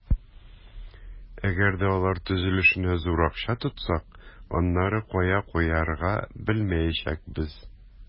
Әгәр дә алар төзелешенә зур акча тотсак, аннары кая куярга белмәячәкбез.